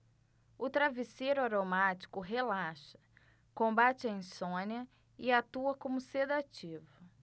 o travesseiro aromático relaxa combate a insônia e atua como sedativo